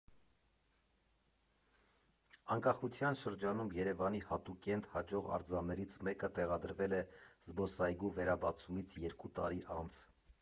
Անկախության շրջանում Երևանի հատուկենտ հաջող արձաններից մեկը տեղադրվել է զբոսայգու վերաբացումից երկու տարի անց։